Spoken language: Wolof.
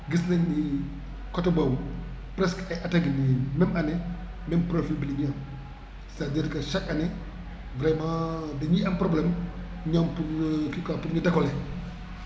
gis nañu côté boobu presque ay at a ngi nii même année même profil bi la ñu am c' est à dire que chaque année vraiment dañuy am problème ñoom pour kii quoi pour ñu décoller